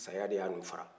saya de ye ani u fara